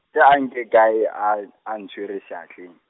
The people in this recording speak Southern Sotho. ke a nke kae, a n-, a ntshwere seatleng?